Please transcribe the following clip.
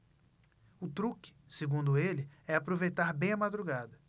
o truque segundo ele é aproveitar bem a madrugada